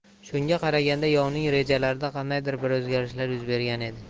shunga qaraganda yovning rejalarida qandaydir bir o'zgarishlar yuz bergan edi